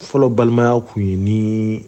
Fɔlɔ balimaya tun ye nin